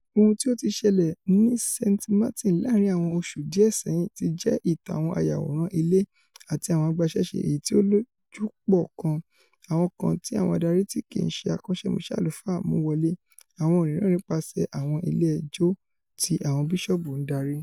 Ohun tí o ti ṣẹlẹ́ ni St. Martin láàrin àwọn oṣù díẹ̀ sẹ́yìn ti jẹ́ ìtàn àwọn ayàwòrán ilé àti àwọn agbaṣẹ́ṣé èyití ó lójú pọ kan, àwọn kan tí àwọn adari tí kìí ṣe akọ́ṣẹ́mọṣẹ́ àlùfáà mú wọlé, àwọn miran nípaṣẹ̀ àwọn ile ijo tí àwọn Bíṣọọbu ńdarí.